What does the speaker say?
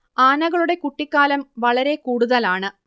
ആനകളുടെ കുട്ടിക്കാലം വളരെ കൂടുതലാണ്